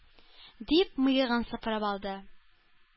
Дип, мыегын сыпырып алды.